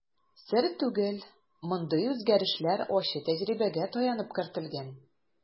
Сер түгел, мондый үзгәрешләр ачы тәҗрибәгә таянып кертелгән.